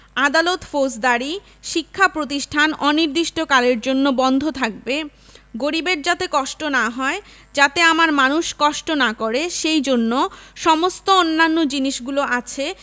আদালত ফৌজদারি শিক্ষা প্রতিষ্ঠান অনির্দিষ্ট কালের জন্য বন্ধ থাকবে গরিবের যাতে কষ্ট না হয় যাতে আমার মানুষ কষ্ট না করে সেই জন্য সমস্ত অন্যান্য জিনিসগুলো আছে